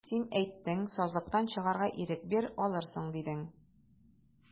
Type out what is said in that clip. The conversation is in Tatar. Син әйттең, сазлыктан чыгарга ирек бир, алырсың, дидең.